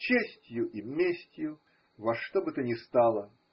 честью и местью, во что бы то ни стало.